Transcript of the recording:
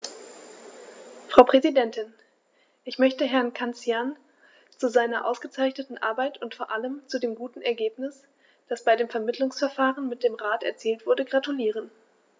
Frau Präsidentin, ich möchte Herrn Cancian zu seiner ausgezeichneten Arbeit und vor allem zu dem guten Ergebnis, das bei dem Vermittlungsverfahren mit dem Rat erzielt wurde, gratulieren.